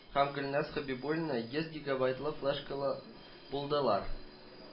Һәм гөлназ хәбибуллина йөз гегабайтлы флешкалы булдылар